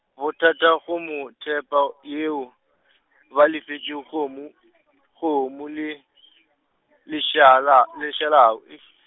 botatago mothepa eo, ba lefišitšwe kgomo, kgomo le, lešala le -šalau eish.